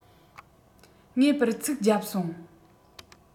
ངེས པར ཚིགས རྒྱབ སོང